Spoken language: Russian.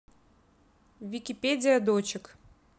википедия дочек